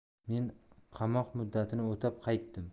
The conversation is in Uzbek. men qamoq muddatini o'tab qaytdim